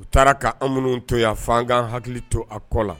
U taara'an minnu toya fan hakili to a kɔ la